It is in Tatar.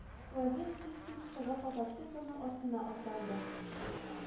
Вәзыйх тиз-тиз чыгып мотоциклның артына атланды